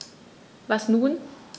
Was nun?